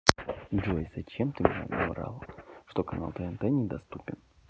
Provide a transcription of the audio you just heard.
джой зачем ты мне наврал что канал тнт недоступен